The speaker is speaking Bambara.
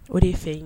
O de ye fɛ yen ye